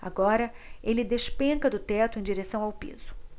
agora ele despenca do teto em direção ao piso